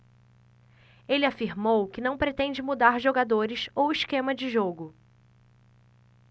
ele afirmou que não pretende mudar jogadores ou esquema de jogo